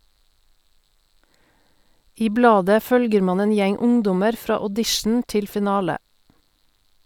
I bladet følger man en gjeng ungdommer fra audition til finale.